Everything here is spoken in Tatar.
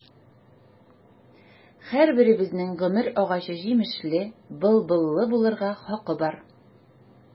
Һәрберебезнең гомер агачы җимешле, былбыллы булырга хакы бар.